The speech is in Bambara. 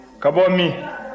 ka bɔ min